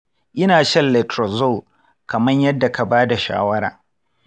ina shan letrozole kamar yadda ka ba da shawara.